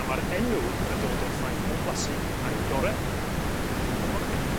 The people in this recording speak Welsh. a ma'r enw yn dod o'r ffaith bo' nw'n blasu ar i'w gore yn y Gwanwyn.